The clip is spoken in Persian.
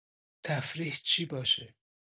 تفریح چی باشه